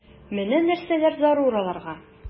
Менә нәрсәләр зарур аларга...